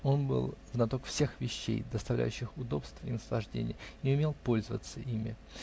Он был знаток всех вещей, доставляющих удобства и наслаждения, и умел пользоваться ими.